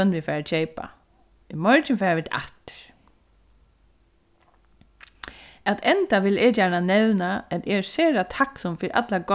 hvønn vit fara at keypa í morgin fara vit aftur at enda vil eg gjarna nevna at eg eri sera takksom fyri allar